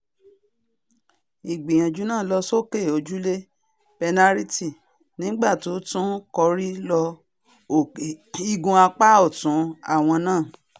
Ìgbìyànjú náà lọ sókè ojúlé pẹnáritì nígbà tó tún kọrí lọ òkè igun apá ọ̀tún àwọ̀n náà.